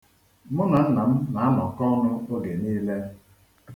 Mu na nna m na-anọkọ ọnụ oge niile.